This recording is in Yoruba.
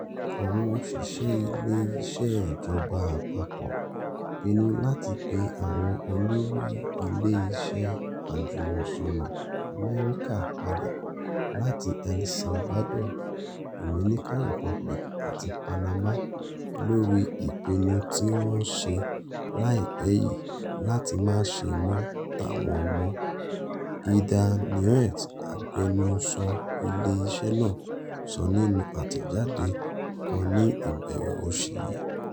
Àwọn òṣìṣẹ́ Ilé Iṣẹ́ Ìjọba Àpapọ̀ pinnu láti pe àwọn olórí ilé iṣẹ́ àjùmọ̀sọ́nà Amẹ́ríkà padà láti El Salvador, Dominican Republic àti Panama lórí "ìpinnu tí wọ́n ṣe láìpẹ́ yìí láti má ṣe mọ Taiwan mọ́", Heather Nauert, agbẹnusọ ilé iṣẹ́ náà, sọ nínú àtẹ̀jáde kan ní ìbẹ̀rẹ̀ oṣù yìí.